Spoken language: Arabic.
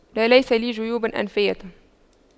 لا ليس لي جيوب أنفية